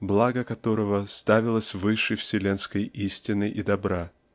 благо которого ставилось выше вселенской истины и добра.